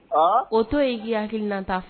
Aan,o to yen, i k'i hakili nata fɔ.